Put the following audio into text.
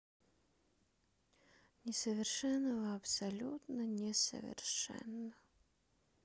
несовершенного абсолютно несовершенно